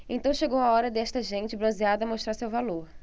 então chegou a hora desta gente bronzeada mostrar seu valor